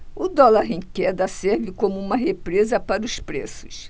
o dólar em queda serve como uma represa para os preços